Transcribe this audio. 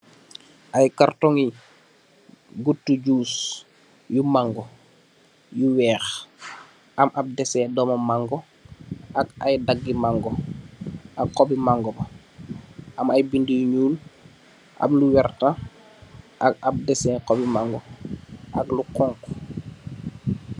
Ay kartungi gutti juice yu mango yu wèèx am ap dèseh dóómam mango ak ay daggi mango ak xobi mango ba, am ay bindi yu ñuul am lu werta ak ap dèseh xobi mango ak lu xonxu.